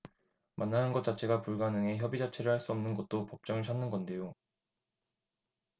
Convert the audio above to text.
만나는 것 자체가 불가능해 협의 자체를 할 수 없는 것도 법정을 찾는 건데요